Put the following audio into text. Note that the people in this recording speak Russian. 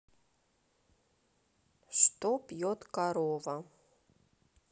что пьет корова